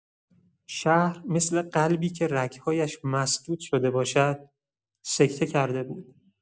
شهر مثل قلبی که رگ‌هایش مسدود شده باشد، سکته کرده بود.